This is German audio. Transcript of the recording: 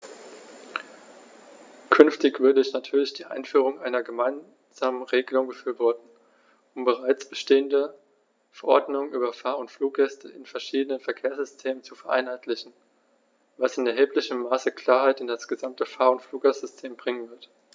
Künftig würde ich natürlich die Einführung einer gemeinsamen Regelung befürworten, um bereits bestehende Verordnungen über Fahr- oder Fluggäste in verschiedenen Verkehrssystemen zu vereinheitlichen, was in erheblichem Maße Klarheit in das gesamte Fahr- oder Fluggastsystem bringen wird.